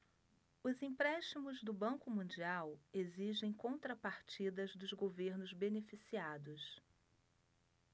os empréstimos do banco mundial exigem contrapartidas dos governos beneficiados